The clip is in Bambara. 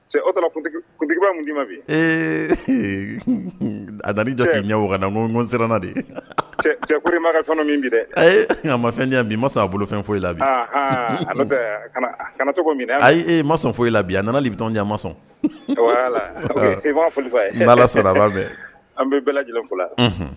Tigi ma bi a'ja ɲɛna de cɛma min bi dɛ a ma fɛn ma sɔn a bolo fɛn foyi la bi kana cogo ayi ma sɔn foyi e la bi a nana bɛ ja ma sɔn i'a fɔ b' sara an bɛ